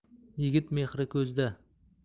yigit mehri ko'zda